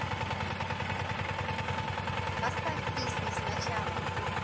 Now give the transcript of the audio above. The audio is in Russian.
поставь песню сначала